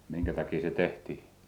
minkä takia se tehtiin